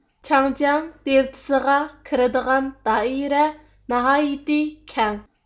چاڭجىياڭ دېلتىسىغا كىرىدىغان دائىرە ناھايىتى كەڭ